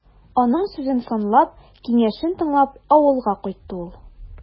Аның сүзен санлап, киңәшен тыңлап, авылга кайтты ул.